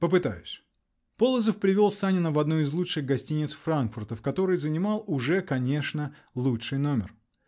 Попытаюсь!" Полозов привел Санина в одну из лучших гостиниц Франкфурта, в которой занимал уже, конечно, лучший номер.